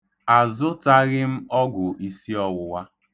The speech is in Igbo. Azụtaghị m ọgwụ isi ọwụwa.